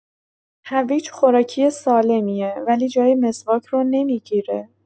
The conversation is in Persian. هویج خوراکی سالمیه، ولی جای مسواک رو نمی‌گیره.